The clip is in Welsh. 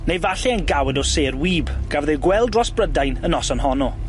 neu falle yn gawod o sêr wib, gafodd ei gweld dros Brydain y noson honno.